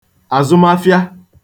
àzụmafịa